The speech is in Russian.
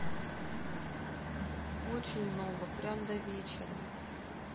очень много прям до вечера